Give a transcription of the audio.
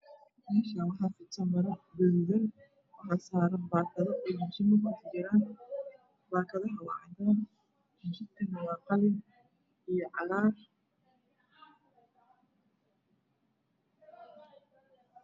Meshan waxa fidsan maro gadudan waxa saran bakado eey kudhaxjiran jijimo bakada waa cadaan jijimo nah waa qalin io cagaar